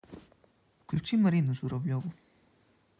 включи марину журавлеву